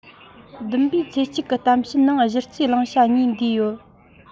བདུན པའི ཚེས གཅིག གི གཏམ བཤད ནང གཞི རྩའི བླང བྱ གཉིས འདུས ཡོད